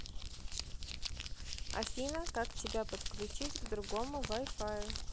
афина как тебя подключить к другому вай фаю